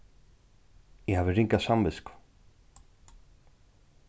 eg havi ringa samvitsku